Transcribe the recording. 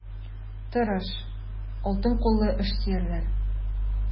Тырыш, алтын куллы эшсөярләр.